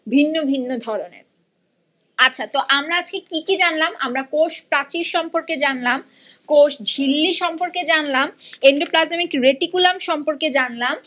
ভিন্ন ভিন্ন ধরনের আচ্ছা তো আমরা আজকে কি জানলাম আমরা কোষ প্রাচীর সম্পর্কে জানলাম কোষঝিল্লি সম্পর্কে জানলাম এন্ডোপ্লাজমিক রেটিকুলাম সম্পর্কে জানলাম